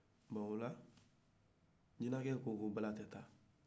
bon ola jinɛ cɛ ko ko bala tɛ ta